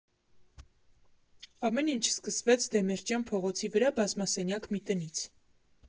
Ամեն ինչ սկսվեց Դեմիրճյան փողոցի վրա բազմասենյակ մի տնից։